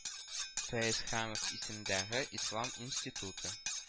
Фәезханов исемендәге Ислам институты